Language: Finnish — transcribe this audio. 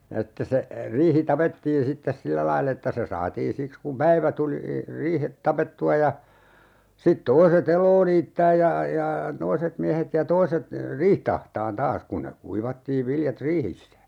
ja sitten se riihi tapettiin sitten sillä lailla että se saatiin siksi kun päivä tuli riihet tapettua ja sitten toiset eloa niittämään ja ja toiset miehet ja toiset riihtä ahtamaan taas kun ne kuivattiin viljat riihissä